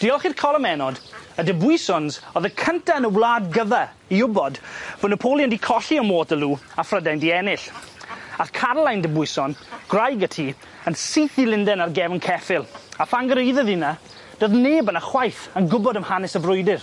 Diolch i'r colomennod, y Debuisons o'dd y cynta yn y wlad gyfa i wbod bo' Napoleon 'di colli yn Waterloo a Phrydain 'di ennill ath Caroline Debuison, gwraig y tŷ, yn syth i Lunden ar gefn ceffyl, a phan gyreuddodd hi 'ny, doedd neb yna chwaith yn gwbod am hanes y frwydyr.